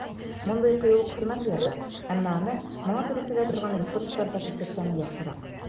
Мондый кыюлык хөрмәт уята, әмма аны моңа туры килә торган ресурсларда күрсәткәнең яхшырак.